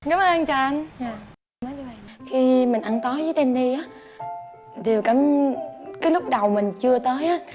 cám ơn anh chan dạ khi mình ăn tối với đen ni á điều cảm cái lúc đầu mình chưa tới á